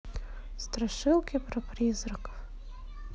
страшилки про призраков